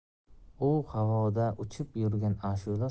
u havoda uchib yurgan ashula